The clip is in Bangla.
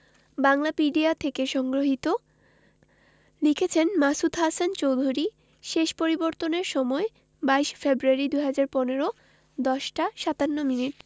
বাংলাপিডিয়া থেকে সংগৃহীত লিখেছেন মাসুদ হাসান চৌধুরী শেষ পরিবর্তনের সময় ২২ ফেব্রুয়ারি ২০১৫ ১০ টা ৫৭ মিনিট